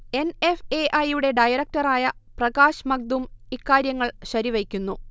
N. F. A. I. യുടെ ഡയറക്ടറായ പ്രകാശ് മഗ്ദും ഇക്കാര്യങ്ങൾ ശരിവയ്ക്കുന്നു